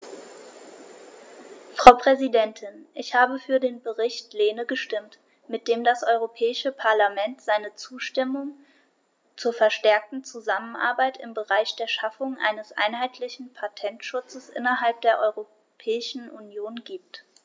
Frau Präsidentin, ich habe für den Bericht Lehne gestimmt, mit dem das Europäische Parlament seine Zustimmung zur verstärkten Zusammenarbeit im Bereich der Schaffung eines einheitlichen Patentschutzes innerhalb der Europäischen Union gibt.